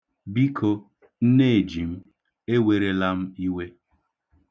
Biko, nneeji m, ewerela m iwe.